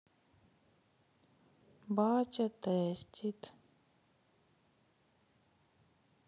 батя тестит